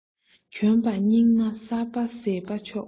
གྱོན པ རྙིངས ན གསར པ བཟོས པས ཆོག